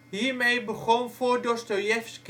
Hiermee begon voor Dostojevski